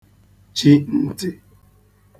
chi ntị̀